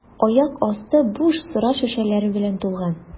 Аяк асты буш сыра шешәләре белән тулган.